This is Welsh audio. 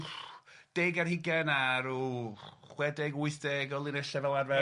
deg ar hugain a ryw chwe deg wyth deg o linella' fel arfer.